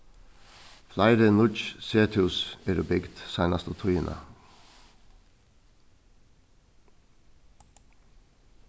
fleiri nýggj sethús eru bygd seinastu tíðina